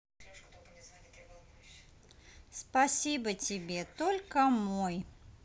спасибо тебе только мой